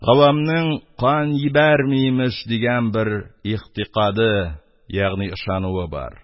Гавамның «кан йибәрми имеш!» дигән бер игътикады ягьни бер ышануы бар.